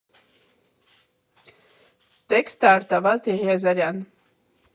Տեքստը՝ Արտավազդ Եղիազարյան։